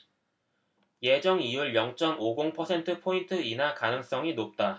예정이율 영 쩜 오 공 퍼센트포인트 인하 가능성이 높다